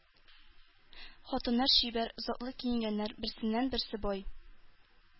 Хатыннар чибәр, затлы киенгәннәр, берсеннән-берсе бай.